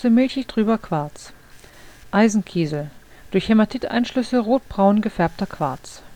milchigtrüber Quarz Eisenkiesel: Durch Hämatiteinschlüsse rotbraun gefärbter Quarz